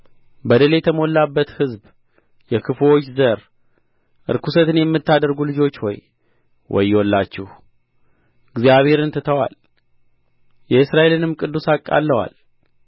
በደል የተሞላበት ሕዝብ የክፉዎች ዘር ርኵሰትን የምታደርጉ ልጆች ሆይ ወዮላችሁ እግዚአብሔርን ትተዋል የእስራኤልንም ቅዱስ አቃልለዋል